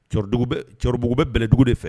Cɛkɔrɔba cɛkɔrɔbaugu bɛlɛdugu de fɛ